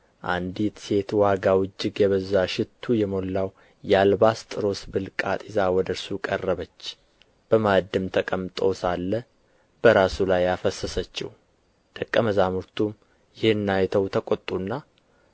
አንዲት ሴት ዋጋው እጅግ የበዛ ሽቱ የሞላው የአልባስጥሮስ ብልቃጥ ይዛ ወደ እርሱ ቀረበች በማዕድም ተቀምጦ ሳለ በራሱ ላይ አፈሰሰችው ደቀ መዛሙርቱም ይህን አይተው ተቈጡና